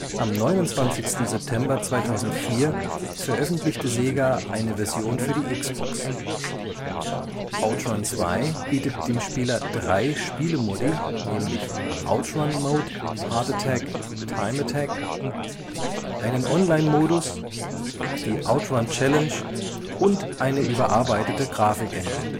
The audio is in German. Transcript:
Am 29. September 2004 veröffentlichte Sega eine Version für die Xbox. OutRun 2 bietet dem Spieler drei Spielemodi (Outrun-Mode, Heart Attack, Time Attack), einen Online-Modus, die OutRun-Challenge und eine überarbeitete Grafikengine